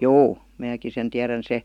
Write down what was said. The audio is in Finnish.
juu minäkin sen tiedän se